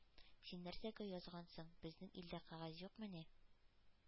— син нәрсәгә язгансың! безнең илдә кәгазь юкмыни? —